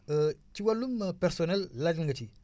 ci wàllum personnels laaj nga ci